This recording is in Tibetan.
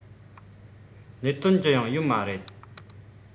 གནད དོན ཅི ཡང ཡོད མ རེད